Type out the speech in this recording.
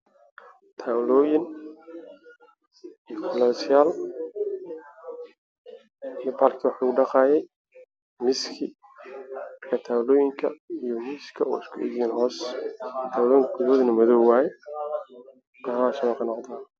Waa weelka oo midabkoodu yahay qalin